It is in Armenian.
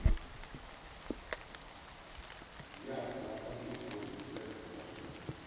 Յաա՜ա, բա խմի, որ բուժվես, տնաշեն։